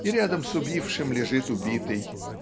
И рядом с убившим лежит убитый.